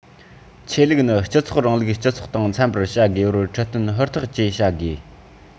ཆོས ལུགས ནི སྤྱི ཚོགས རིང ལུགས སྤྱི ཚོགས དང འཚམ པར བྱ དགོས པར ཁྲིད སྟོན ཧུར ཐག བཅས བྱ དགོས